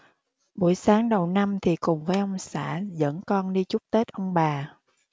buổi sáng đầu năm thì cùng với ông xã dẫn con đi chúc tết ông bà